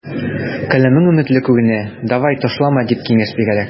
Каләмең өметле күренә, давай, ташлама, дип киңәш бирәләр.